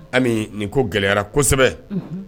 Ami ni ko gɛlɛyara kosɛbɛ